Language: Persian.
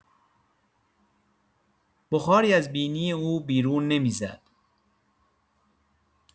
بخاری از بینی او بیرون نمی‌زد.